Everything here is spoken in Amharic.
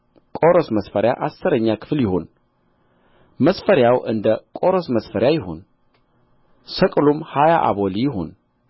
የቆሮስ መስፈሪያ አሥረኛ ክፍል የኢፍ መስፈሪያውም የቆሮስ መስፈሪያ አሥረኛ ክፍል ይሁን መስፈሪያው እንደ ቆሮስ መስፈሪያ ይሁን ሰቅሉም ሀያ አቦሊ ይሁን